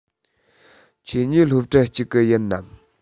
ཁྱེད གཉིས སློབ གྲྭ གཅིག གི ཡིན ནམ